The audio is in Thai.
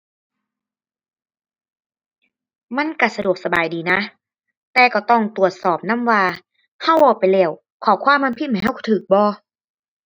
มันก็สะดวกสบายดีนะ แต่ก็ต้องตรวจสอบนำว่า ก็เว้าไปแล้ว ข้อความมันพิมพ์ให้ก็ก็บ่